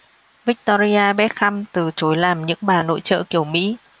victoria beckham từ chối làm những bà nội trợ kiểu mỹ